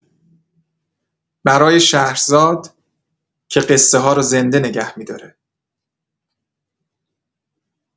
برای شهرزاد، که قصه‌ها رو زنده نگه می‌داره.